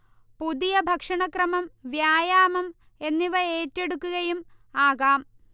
പുതിയ ഭക്ഷണ ക്രമം, വ്യായാമം എന്നിവ ഏറ്റെടുക്കുകയും ആകാം